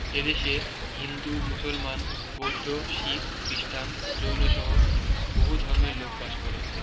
এ দেশে হিন্দু মুসলমান বৌদ্ধ শিখ খ্রিস্টান জৈনসহ বহু ধর্মের লোক বাস করে